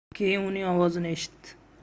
keyin uning ovozini eshitdi